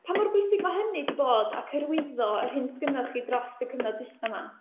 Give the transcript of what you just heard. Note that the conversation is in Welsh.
Pa mor bwysig mae hynny 'di bod, ac hyrwyddo yr hyn 'sgennoch chi dros y cyfnod dwytha 'ma?